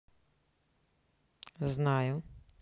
знаю